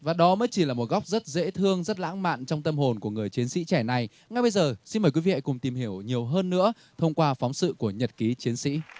và đó mới chỉ là một góc rất dễ thương rất lãng mạn trong tâm hồn của người chiến sĩ trẻ này ngay bây giờ xin mời quý vị hãy cùng tìm hiểu nhiều hơn nữa thông qua phóng sự của nhật ký chiến sĩ